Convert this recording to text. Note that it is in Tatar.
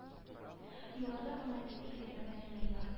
- елларда этп гамәлдәге бәяләрдә млрд